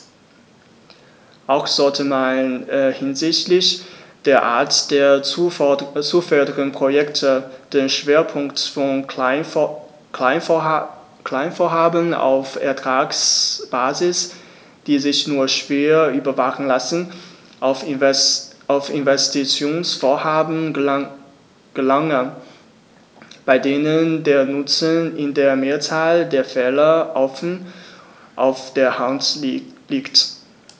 Auch sollte man hinsichtlich der Art der zu fördernden Projekte den Schwerpunkt von Kleinvorhaben auf Ertragsbasis, die sich nur schwer überwachen lassen, auf Investitionsvorhaben verlagern, bei denen der Nutzen in der Mehrzahl der Fälle offen auf der Hand liegt.